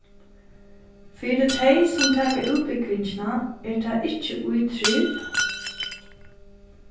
fyri tey sum taka útbúgvingina er tað ikki ítriv